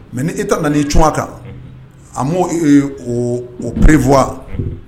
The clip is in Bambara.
:Mais ni Ëtat nan'i cun a kan, Unhun, a m'o ee o prévoit _